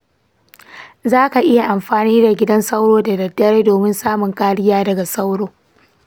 zaka iya amfani da gidan sauro da daddare domin samun kariya daga sauro.